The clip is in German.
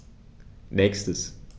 Nächstes.